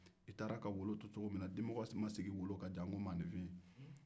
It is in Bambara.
i taara ka wolo to cogo min na dimɔgɔ ma sigi a kan janko maaninfin